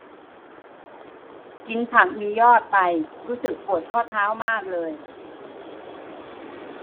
กินผักมียอดไปรู้สึกปวดข้อเท้ามากเลย